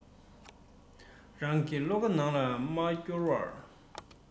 རང གི བློ ཁ ནང ལ མ བསྐོར བར